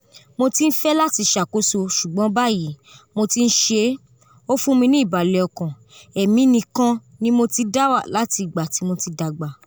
Mo ti ń fẹ́ láti ṣàkóso ṣùgbọ́n báyìí mo ti ń ṣe é, ó fún mi ní ìbàlẹ̀ ọkàn, èmi nìkàn ní mò tí dáwà láti ìgbà ti mo ti dàgbà.